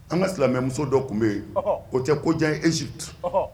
An ka silamɛmuso dɔ tun bɛ yen o tɛ kojan esutu